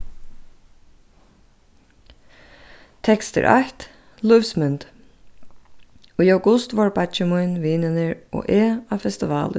tekstur eitt lívsmynd í august vóru beiggi mín vinirnir og eg á festival í